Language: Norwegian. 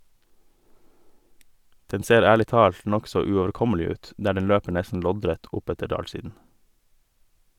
Den ser ærlig talt nokså uoverkommelig ut, der den løper nesten loddrett oppetter dalsiden.